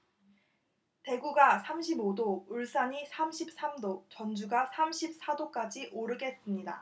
대구가 삼십 오 도 울산이 삼십 삼 도 전주가 삼십 사 도까지 오르겠습니다